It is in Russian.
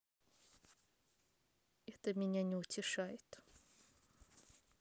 это меня не утешает